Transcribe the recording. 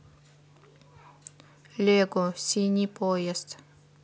лего синий поезд